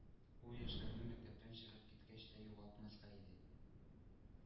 Ул яшьләрне мәктәптән чыгып киткәч тә югалтмаска иде.